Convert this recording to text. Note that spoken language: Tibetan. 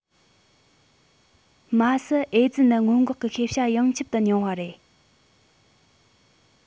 མ ཟད ཨེ ཙི ནད སྔོན འགོག གི ཤེས བྱ ཡོངས ཁྱབ ཏུ ཉུང བ རེད